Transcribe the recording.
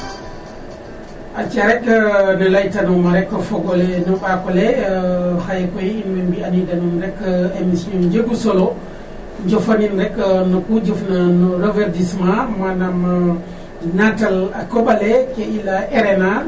aca rek ne laytanuuma rek o fog ole no ɓaak ole xaye koy im mbi'aniidaa nuun rek émission njegu solo jofanin rek no ku jofna no reverdissement manam naatal a koɓ ale ke i layaa RNA .